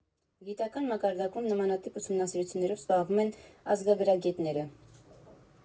Գիտական մակարդակում նմանատիպ ուսումնասիրություններով զբաղվում են ազգագրագետները։